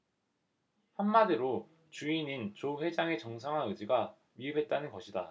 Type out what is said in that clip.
한마디로 주인인 조 회장의 정상화 의지가 미흡했다는 것이다